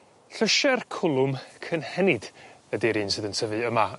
Llysie'r cwlwm cynhennid ydi'r un sydd yn tyfu yma